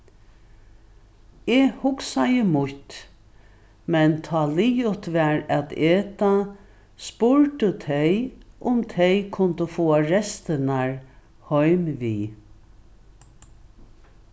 eg hugsaði mítt men tá liðugt var at eta spurdu tey um tey kundu fáa restirnar heim við